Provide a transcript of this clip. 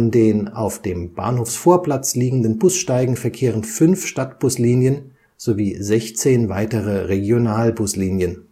den auf dem Bahnhofsvorplatz liegenden Bussteigen verkehren fünf Stadtbuslinien sowie 16 weitere Regionalbuslinien